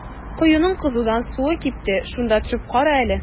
Коеның кызудан суы кипте, шунда төшеп кара әле.